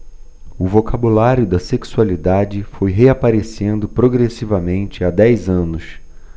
o vocabulário da sexualidade foi reaparecendo progressivamente há dez anos